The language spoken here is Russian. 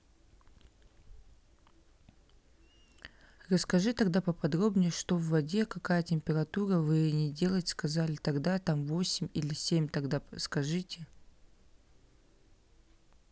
расскажите тогда поподробнее что в воде какая температура вы не делать сказали тогда там восемь или семь тогда скажите